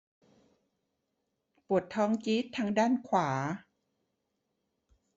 ปวดท้องจี๊ดทางด้านขวา